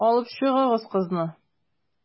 Алып чыгыгыз кызны.